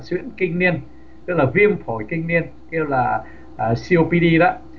suyễn kinh niên tức là viêm phổi kinh niên kêu là xiêu pi đi đó